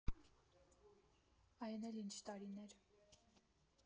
Այն էլ ինչ տարիներ։